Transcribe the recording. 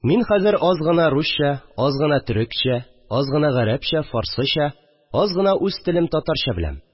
Мин хәзер аз гына русча, аз гына төрекчә, аз гына гарәпчә, фарсыча, аз гына үз телем татарча беләм